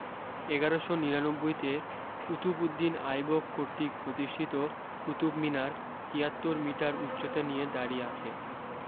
এগারশ নিরানব্বইতে কুতুব উদ দিন আইবক কর্তৃক প্রতিষ্ঠিত কুতুব মিনার তিয়াত্তর মিটার উচ্চতা নিয়ে দাঁড়িয়ে আছে